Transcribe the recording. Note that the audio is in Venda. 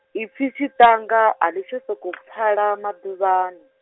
ipfi tshiṱanga a ḽi tsha sokou pfala maḓuvhani.